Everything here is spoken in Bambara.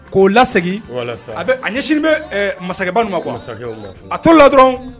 K'o la segin a a ɲɛsin bɛ masakɛba ma a tora la dɔrɔn